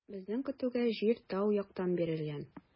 Безнең көтүгә җир тау яктан бирелгән.